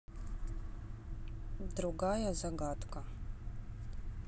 другая загадка